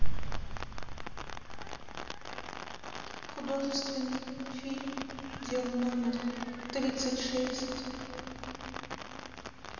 художественный фильм дело номер триста шесть